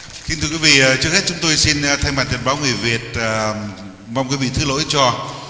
kính thưa quý vị trước hết chúng tôi xin thay mặt nhật báo người việt à mong quý vị thứ lỗi cho